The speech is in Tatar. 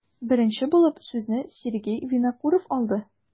Беренче булып сүзне Сергей Винокуров алды.